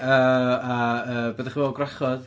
Yy a yy be dach chi'n feddwl o gwrachod?